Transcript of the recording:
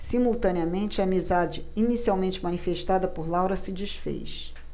simultaneamente a amizade inicialmente manifestada por laura se disfez